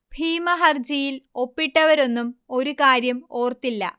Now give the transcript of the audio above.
ഭീമ ഹർജിയിൽ ഒപ്പിട്ടവരൊന്നും ഒരു കാര്യം ഓര്ത്തില്ല